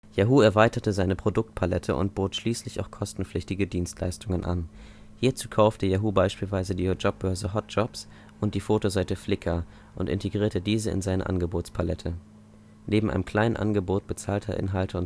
Yahoo erweiterte seine Produktpalette und bot schließlich auch kostenpflichtige Dienstleistungen an. Hierzu kaufte Yahoo beispielsweise die Jobbörse HotJobs und die Fotoseite Flickr und integrierte diese in seine Angebotspalette. Neben einem kleinen Angebot bezahlter Inhalte